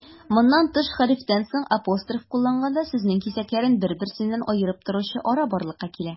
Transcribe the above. Моннан тыш, хәрефтән соң апостроф кулланганда, сүзнең кисәкләрен бер-берсеннән аерып торучы ара барлыкка килә.